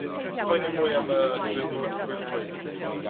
Dwi'n poeni mwy am y gwyl bwy- gwyl fwyd fory.